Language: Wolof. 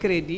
crédit